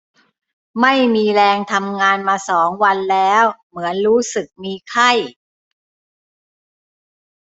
ไม่มีแรงทำงานมาสองวันแล้วเหมือนรู้สึกมีไข้